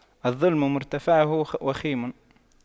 الظلم مرتعه وخيم